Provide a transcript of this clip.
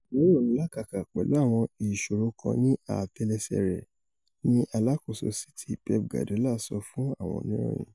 Aguero ńlàkàkà pẹ̀lú àwọn ìṣòro kan ní àtẹ́lẹs̵ẹ̀ rẹ̀,'' ni aláàkóso City Pep Guardiola sọ fún àwọn oníròyìn.